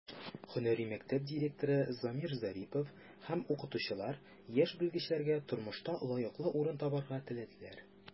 Һөнәри мәктәп директоры Замир Зарипов һәм укытучылар яшь белгечләргә тормышта лаеклы урын табарга теләделәр.